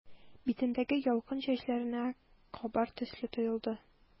Битендәге ялкын чәчләренә кабар төсле тоелды.